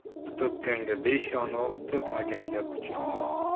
ter to'kkanga besh yong'oq to'kmaganga puch yong'oq